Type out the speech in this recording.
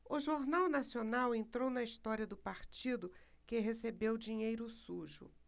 o jornal nacional entrou na história do partido que recebeu dinheiro sujo